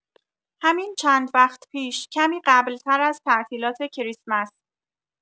همین چند وقت پیش، کمی قبل‌‌تر از تعطیلات کریسمس